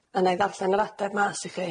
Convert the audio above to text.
A 'na i ddarllen yr ateb mas i chi.